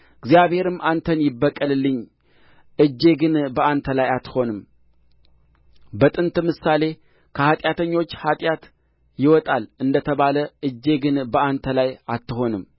እግዚአብሔርም አንተን ይበቀልልኝ እጄ ግን በአንተ ላይ አትሆንም በጥንት ምሳሌ ከኃጢአተኞች ኀጢአት ይወጣል እንደ ተባለ እጄ ግን በአንተ ላይ አትሆንም